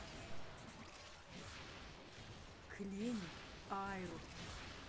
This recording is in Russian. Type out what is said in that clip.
кленин айро